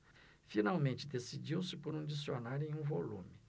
finalmente decidiu-se por um dicionário em um volume